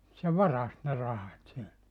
se varasti ne rahat sieltä